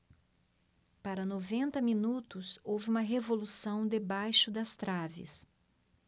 para noventa minutos houve uma revolução debaixo das traves